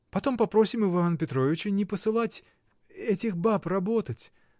Потом попросим Ивана Петровича не посылать. этих баб работать.